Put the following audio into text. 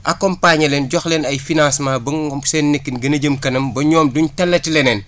accompagner leen jox leen ay financements ba seen nekkin gën a jëm kanam ba ñoom duñ talati leneen